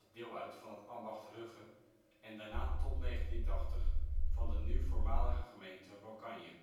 deel uit van het ambacht Rugge en daarna tot 1980 van de nu voormalige gemeente Rockanje